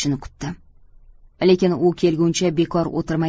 kutdim lekin u kelguncha bekor o'tirmay